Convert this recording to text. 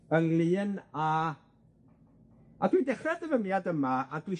###ynglŷn â a dwi'n dechre'r dyfyniad yma a dwi